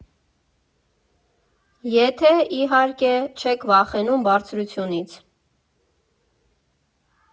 Եթե, իհարկե, չեք վախենում բարձրությունից։